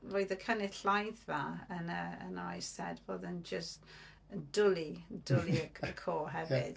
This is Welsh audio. Roedd y cynulleidfa yn yr... yn yr Eisteddfod yn jyst dwlu dwlu y côr hefyd.